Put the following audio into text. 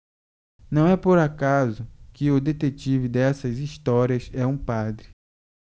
não é por acaso que o detetive dessas histórias é um padre